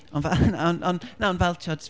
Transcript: Ond fe- on- ond, na, ond fel tibod...